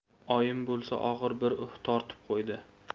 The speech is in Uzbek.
oyim bo'lsa og'ir bir uh tortib qo'ydi